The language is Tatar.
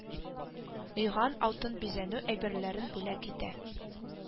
Ыйган алтын бизәнү әйберләрен бүләк итә